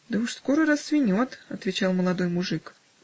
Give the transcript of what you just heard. "Да уж скоро рассвенет", -- отвечал молодой мужик.